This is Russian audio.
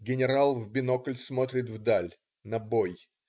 Генерал в бинокль смотрит вдаль - на бой.